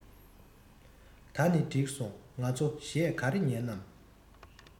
ད ནི གྲིགས སོང ང ཚོ གཞས ག རེ ཉན ནམ